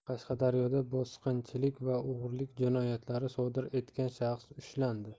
qashqadaryoda bosqinchilik va o'g'rilik jinoyatlarini sodir etgan shaxs ushlandi